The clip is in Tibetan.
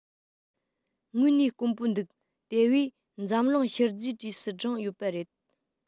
དངོས གནས དཀོན པོ འདུག དེ བས འཛམ གླིང ཤུལ རྫས གྲས སུ བསྒྲེངས ཡོད པ རེད